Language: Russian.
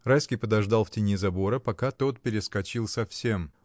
Райский подождал в тени забора, пока тот перескочил совсем.